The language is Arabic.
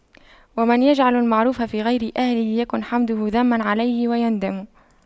ومن يجعل المعروف في غير أهله يكن حمده ذما عليه ويندم